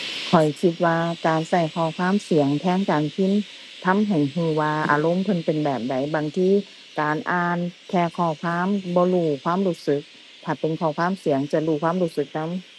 ข้อยคิดว่าการใช้ข้อความเสียงแทนการพิมพ์ ทำให้ใช้ว่าอารมณ์เพิ่นเป็นแบบใด บางทีการอ่านแค่ข้อความบ่รู้ความรู้สึก ถ้าเป็นข้อความเสียงจะรู้ความรู้สึกนำ